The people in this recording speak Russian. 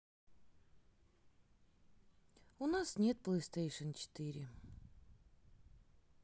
у нас нету playstation четыре